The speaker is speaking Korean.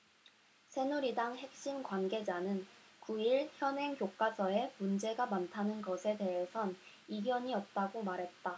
새누리당 핵심 관계자는 구 일 현행 교과서에 문제가 많다는 것에 대해선 이견이 없다고 말했다